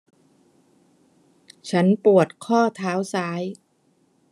ฉันปวดข้อเท้าซ้าย